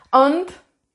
Ond,